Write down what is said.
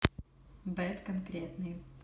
bad конкретный